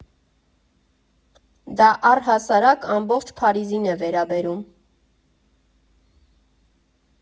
Դա առհասարակ ամբողջ Փարիզին է վերաբերում։